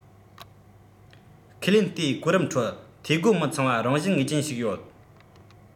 ཁས ལེན ལྟའི གོ རིམ ཁྲོད འཐུས སྒོ མི ཚང བ རང བཞིན ངེས ཅན ཞིག ཡོད